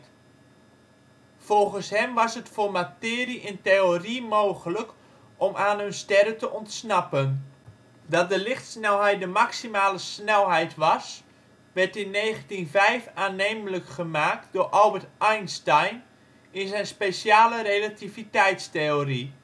Volgens hen was het voor materie in theorie mogelijk om aan hun sterren te ontsnappen. Dat de lichtsnelheid de maximale snelheid was werd in 1905 aannemelijk gemaakt door Albert Einstein in zijn speciale relativiteitstheorie